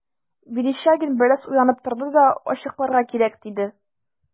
Верещагин бераз уйланып торды да: – Ачыкларга кирәк,– диде.